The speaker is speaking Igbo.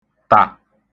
tà